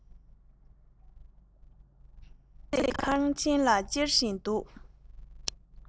ཐོག བརྩེགས ཁང ཆེན ལ ཅེར བཞིན འདུག